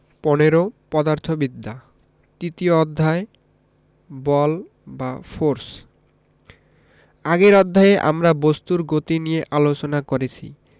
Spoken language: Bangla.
১৫ পদার্থবিদ্যা তৃতীয় অধ্যায় বল বা ফোরস আগের অধ্যায়ে আমরা বস্তুর গতি নিয়ে আলোচনা করেছি